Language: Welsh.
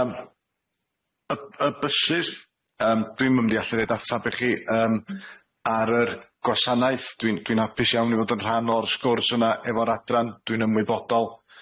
Yym y y bysys yym dwi'm yn mynd i allu roid ateb i chi yym ar yr gwasanaeth, dwi'n dwi'n apus iawn i fod yn rhan o'r sgwrs yna efo'r adran dwi'n ymwybodol.